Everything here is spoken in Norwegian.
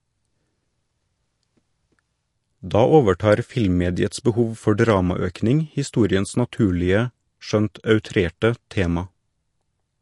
Da overtar filmmediets behov for dramaøkning historiens naturlige - skjønt outrerte - tema.